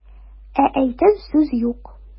Ә әйтер сүз юк.